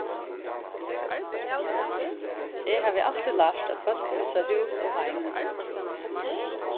eg havi altíð lært at fólk missa hús og heim